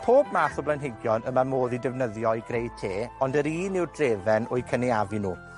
pob math o blanhigion y ma' modd i defnyddio i greu te, ond yr un yw'r drefen o'u cynaeafu nw.